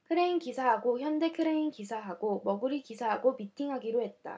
크레인 기사하고 현대 크레인 기사하고 머구리 기사하고 미팅하기로 했다